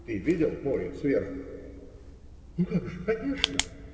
Ты видел море сверху? - Как же, конечно!